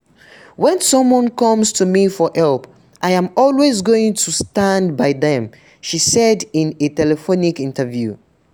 When someone comes to me for help, I am always going to stand by them, she said in a telephonic interview.